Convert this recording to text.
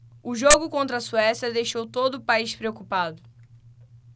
o jogo contra a suécia deixou todo o país preocupado